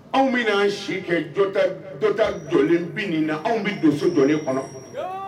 Anw bɛna an si kɛ dɔ ta jɔlen bini na anw bɛna don dɔ jɔlen kɔnɔ?ɔɔnn!